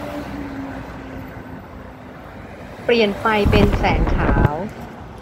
เปลี่ยนไฟเป็นแสงขาว